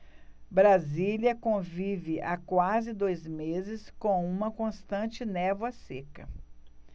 brasília convive há quase dois meses com uma constante névoa seca